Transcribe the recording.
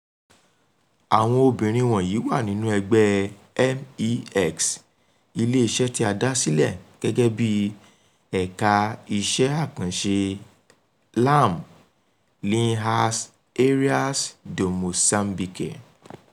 Àwọn obìnrin wọ̀nyí wà nínú ẹgbẹ́ MEX, ilé-iṣẹ́ tí a dá sílẹ̀ gẹ́gẹ́ bíi Ẹ̀ka Iṣẹ́ Àkànṣe LAM — Linhas Aéreas de Moçambique.